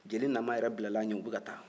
jeli nama yɛrɛ bilala a ɲɛ u bɛ ka taa